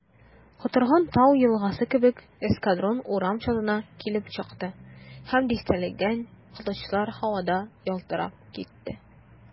Котырган тау елгасы кебек эскадрон урам чатына килеп чыкты, һәм дистәләгән кылычлар һавада ялтырап китте.